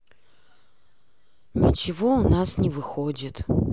ничего у нас не выходит